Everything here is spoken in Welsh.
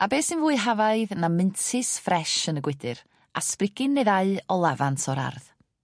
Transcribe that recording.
A be' sy'yn fwy hafaidd na mintys ffres yn y gwydyr a sbrigyn ne' ddau o lafant o'r ardd.